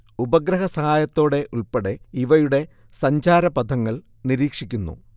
ഉപഗ്രഹ സഹായത്തോടെ ഉൾപ്പെടെ ഇവയുടെ സഞ്ചാരപഥങ്ങൾ നിരീക്ഷിക്കുന്നു